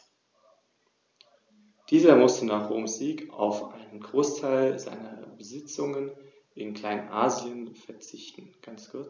Dies führte zu oftmals unmäßigen Steuern, die die Wirtschaft dieser Gebiete auslaugte und immer wieder zu Aufständen führte.